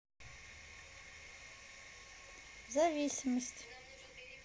зависимость